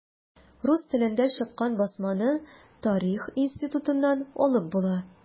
Рус телендә чыккан басманы Тарих институтыннан алып була.